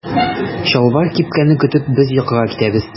Чалбар кипкәнне көтеп без йокыга китәбез.